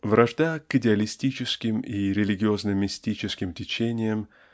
Вражда к идеалистическим и религиозно-мистическим течениям